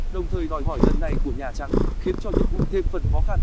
đồng thời đòi hỏi lần này của nhà trắng khiến cho nhiệm vụ thêm phần khó khăn